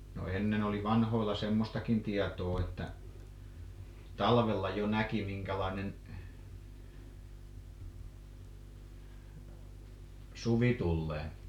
no ennen oli vanhoilla semmoistakin tietoa että talvella jo näki minkälainen suvi tulee